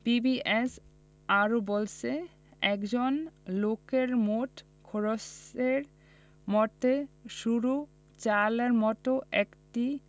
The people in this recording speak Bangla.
বিবিএস আরও বলছে একজন লোকের মোট খরচের মধ্যে শুধু চালের মতো একটি